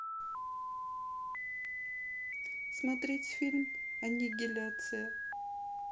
смотреть фильм аннигиляция